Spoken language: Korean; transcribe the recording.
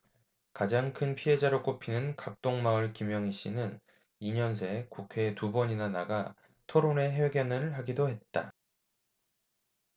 가장 큰 피해자로 꼽히는 각동마을 김영희씨는 이 년 새 국회에 두 번이나 나가 토론회 회견을 하기도 했다